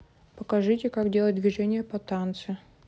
покажите как делать движение по танце